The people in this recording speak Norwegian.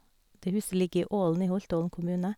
Det huset ligger i Ålen i Holtålen kommune.